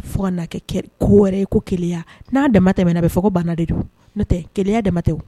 Fo kɛ ko wɛrɛ ye ko keya n'a damatɛ min bɛ fɔ ko ban de don no tɛ keya damatɛ